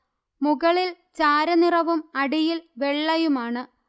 മുകളിൽ ചാര നിറവും അടിയിൽ വെള്ളയുമാണ്